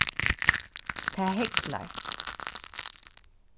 tað heglar